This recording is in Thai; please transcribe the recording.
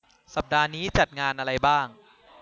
สัปดาห์นี้จัดงานอะไรบ้าง